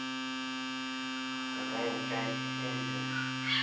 какая часть эльзы